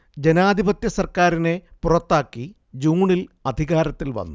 ജനാധിപത്യ സർക്കാരിനെ പുറത്താക്കി ജൂണിൽ അധികാരത്തിൽ വന്നു